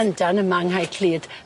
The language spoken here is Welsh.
Yndan yma yng Nghae Clud.